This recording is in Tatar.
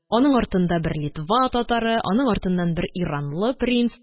Аның артында бер литва татары, аның артыннан бер иранлы принц